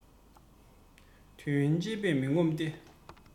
འདོད ཡོན སྤྱད པས མི ངོམས ཏེ